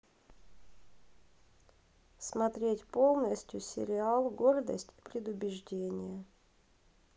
смотреть полностью сериал гордость и предубеждение